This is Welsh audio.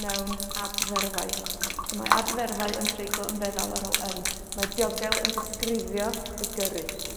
mewn adferfau. So mae adferfau yn treiglo yn feddal ar ôl yn, mae diogel yn disgrifio y gyrru.